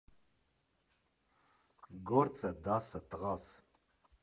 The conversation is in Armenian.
Գործը, դասը, տղաս…